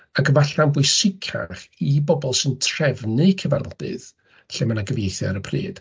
Ac efallai yn bwysicach i bobl sy'n trefnu cyfarfodydd lle ma' 'na gyfieithu ar y pryd.